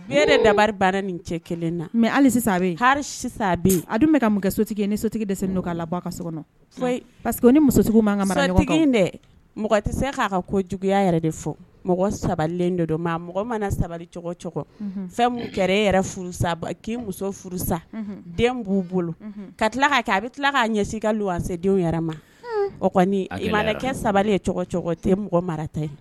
De dari baara nin cɛ kelen na mɛ hali bɛ hali sisan bɛ a dun bɛka ka mɔgɔsotigi ye ni sotigi dese don k'a la ka so parceseke ni musotigi matigi dɛ mɔgɔ tɛ k'a ka ko juguya yɛrɛ de fɔ mɔgɔ sabali dɔ mɔgɔ mana sabali fɛn kɛra furu k' muso furusa den b'u bolo ka tila k ka kɛ a bɛ tila k ka ɲɛsi ka a denw yɛrɛ ma o kɔni manakɛ sabali tɛ mɔgɔta